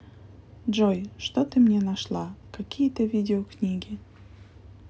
джой что ты мне нашла какие то видеокниги